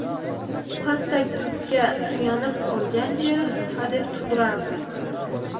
pastak tutga suyanib olgancha hadeb tupurardi